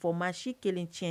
Fɔ maa si kelen tiɲɛ